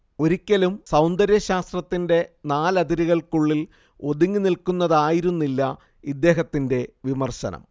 ഒരിക്കലും സൗന്ദര്യശാസ്ത്രത്തിന്റെ നാലതിരുകൾക്കുള്ളിൽ ഒതുങ്ങിനിൽക്കുന്നതായിരുന്നില്ല ഇദ്ദേഹത്തിന്റെ വിമർശനം